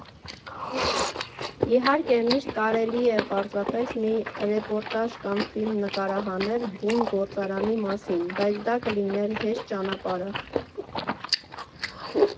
Իհարկե, միշտ կարելի էր պարզապես մի ռեպորտաժ կամ ֆիլմ նկարահանել բուն գործարանի մասին, բայց դա կլիներ հեշտ ճանապարհը։